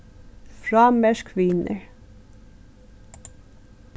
frámerk vinir